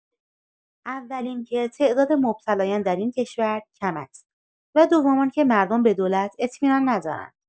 اول اینکه تعداد مبتلایان در این کشور کم است و دوم آنکه مردم به دولت اطمینان ندارند.